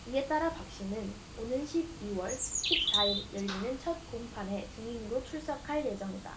이에 따라 박씨는 오는 십 이 월 십 사 일 열리는 첫 공판에 증인으로 출석할 예정이다